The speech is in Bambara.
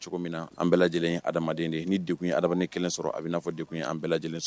Min an bɛɛ lajɛlen adamadamaden ni de ye adamadama kelen sɔrɔ a bɛ'a fɔ de ye an bɛɛ lajɛlen sɔrɔ